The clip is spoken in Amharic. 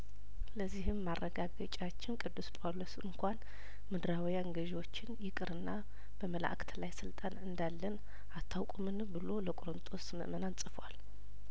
ለዚህም ማረጋገጫችን ቅዱስ ጳውሎስ እንኳንም ድራውያን ገዢዎችን ይቅርና በመላእክት ላይ ስልጣን እንዳለን አታውቁምን ብሎ ለቆሮንቶስ ምእመናን ጽፏል